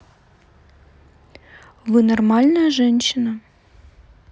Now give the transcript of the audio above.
вы нормальная женщина